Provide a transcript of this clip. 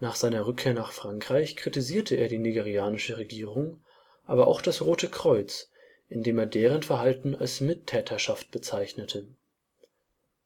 Nach seiner Rückkehr nach Frankreich kritisierte er die nigerianische Regierung, aber auch das Rote Kreuz, indem er deren Verhalten als Mittäterschaft bezeichnete.